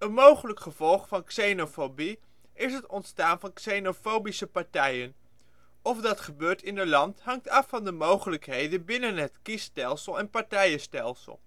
mogelijk gevolg van de xenofobie is het ontstaan van xenofobische partijen. Of dat gebeurt in een land, hangt af van de mogelijkheden binnen het kiesstelsel en partijenstelsel